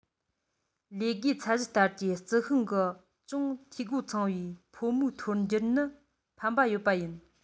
ལས བགོས ཚད གཞི ལྟར གྱི རྩི ཤིང གི ཅུང འཐུས སྒོ ཚང བའི ཕོ མོའི ཐོར འགྱུར ནི ཕན པ ཡོད པ ཡིན